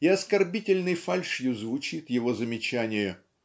и оскорбительною фальшью звучит его замечание